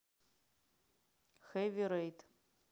хеви рейд